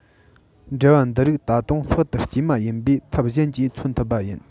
འབྲེལ བ འདི རིགས ད དུང ལྷག ཏུ དཀྱུས མ ཡིན པའི ཐབས གཞན གྱིས མཚོན ཐུབ པ ཡིན